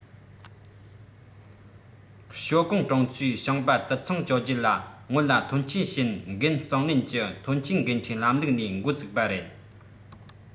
ཞའོ ཀང གྲོང ཚོའི ཞིང པ དུད ཚང བཅོ བརྒྱད ལ སྔོན ལ ཐོན སྐྱེད བྱེད འགན གཙང ལེན གྱི ཐོན སྐྱེད འགན འཁྲིའི ལམ ལུགས ནས འགོ ཚུགས པ རེད